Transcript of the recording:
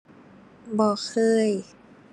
บ่เคย